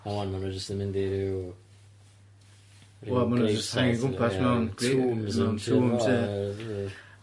A ŵan ma' nw jyst yn mynd i ryw ryw .